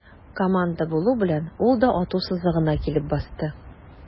Команда булу белән, ул да ату сызыгына килеп басты.